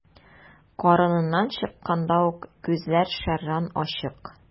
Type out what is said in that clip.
Карыныннан чыкканда ук күзләр шәрран ачык.